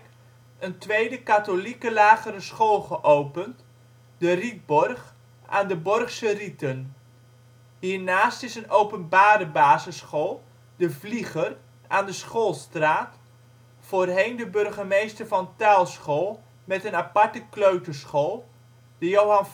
tweede katholieke lagere school geopend: De Rietborgh aan de Borgsche Rieten. Hiernaast is er een openbare basisschool, De Vlieger, aan de Schoolstraat (voorheen: Burgemeester Van Tuyllschool, met een aparte kleuterschool: de Johan Frisokleuterschool